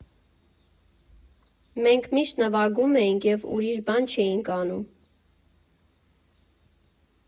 Մենք միշտ նվագում էինք և ուրիշ բան չէինք անում.